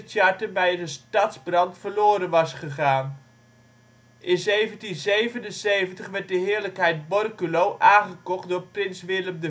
charter bij de stadsbrand verloren was gegaan. In 1777 werd de heerlijkheid Borculo aangekocht door Prins Willem